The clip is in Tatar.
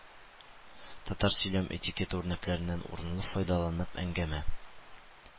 Татар сөйлəм этикеты үрнəклəреннəн урынлы файдаланып əңгəмə